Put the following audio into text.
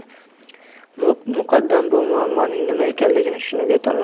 muqaddam bu muammoning nima ekanligini tushunib yetolmas